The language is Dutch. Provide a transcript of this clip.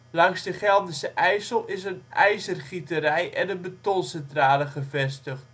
Langs de Gelderse IJssel is een ijzergieterij en een betoncentrale gevestigd